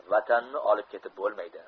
vatanni olib ketib bo'lmaydi